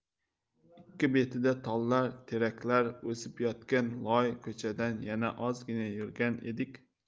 ikki betida tollar teraklar o'sib yotgan loy ko'chadan yana ozgina yurgan edik